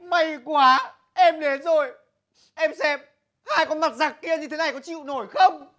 may quá em đến rồi em xem hai con mặt giặc kia như thế này có chịu nổi không